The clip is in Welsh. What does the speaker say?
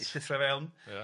I llithro fewn. Ia.